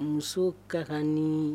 Muso kain